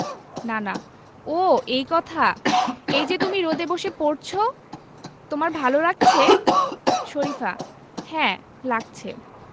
নানা ও এই কথা এই যে তুমি রোদে বসে পড়ছ তোমার ভালো লাগছে শরিফা হ্যাঁ লাগছে